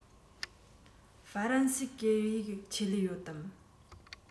ཧྥ རན སིའི སྐད ཡིག ཆེད ལས ཡོད དམ